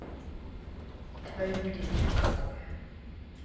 твое мнение какое